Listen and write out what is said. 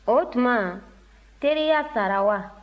o tuma teriya sara wa